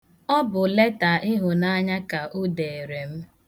Ọ bụ leta ịhụnanya ka o dere m.